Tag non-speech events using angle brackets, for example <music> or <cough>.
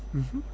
<hesitation> <hesitation>